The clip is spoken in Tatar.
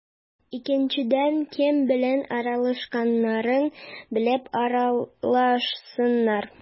Икенчедән, кем белән аралашканнарын белеп аралашсыннар.